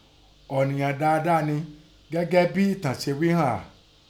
Ọ̀nìyàn dáadáa ni gẹ́gẹ́ bín ìntàn se ghí àn há.